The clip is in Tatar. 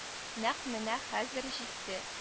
Нәкъ менә хәзер җитте